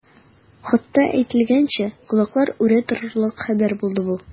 Хатта әйтелгәнчә, колаклар үрә торырлык хәбәр булды бу.